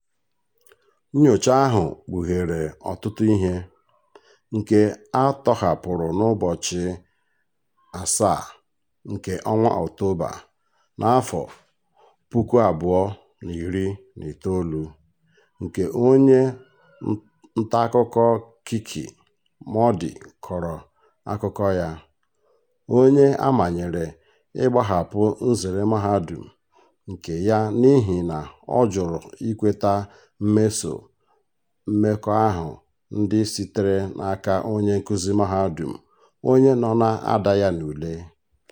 Nnyocha ahụ kpụghere ọtụtụ ihe, nke a tọhapụrụ n'ụbọchị 7 nke Ọktoba, 2019, nke onye ntaakụkọ Kiki Mordi kọrọ akụkọ ya, onye a manyere ịgbahapụ nzere mahadum nke ya n'ihi na ọ jụrụ ikweta mmeso mmekọahu ndị sitere n'aka onye nkụzi mahadum onye nọ na-ada ya n'ule: